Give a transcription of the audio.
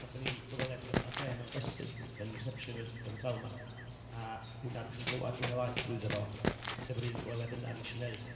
Wnaethon ni wneud cyfweliad yn y fan a'r lle mewn gwesty yn reception yr, yr hotel 'ma, a hwnna dach chi'n glywed fwy neu lai drwyddo fo, sef yr un cyfweliad yna wnes i wneud.